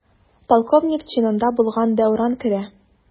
Полковник чинында булган Дәүран керә.